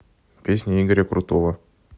песни игоря крутого